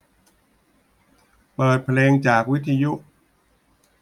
เปิดเพลงจากวิทยุ